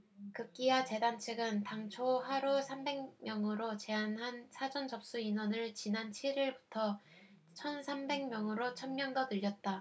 급기야 재단 측은 당초 하루 삼백 명으로 제한한 사전 접수 인원을 지난 칠 일부터 천 삼백 명으로 천 명 더 늘렸다